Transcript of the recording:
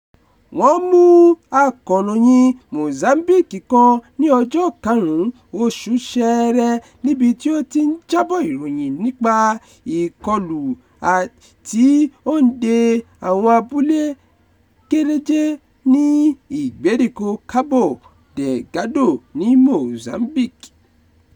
Wọ́n mú akọ̀ròyìn Mozambique kan ní ọjọ́ 5 oṣù Ṣẹẹrẹ níbi tí ó ti ń jábọ̀ ìròyìn nípa ìkọlù tí ó ń dé bá àwọn abúlé kéréje ní ìgbèríko Cabo Delgado ní Mozambique.